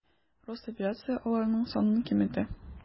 Росавиация аларның санын киметә.